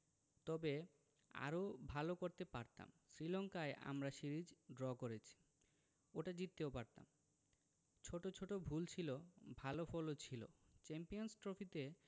তবে আরও ভালো করতে পারতাম শ্রীলঙ্কায় আমরা সিরিজ ড্র করেছি ওটা জিততেও পারতাম ছোট ছোট ভুল ছিল ভালো ফলও ছিল চ্যাম্পিয়নস ট্রফিতে